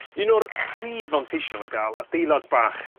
Un o'r prif fanteision o ga'l adeilad bach